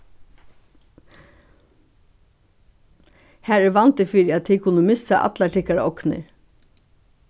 har er vandi fyri at tit kunna missa allar tykkara ognir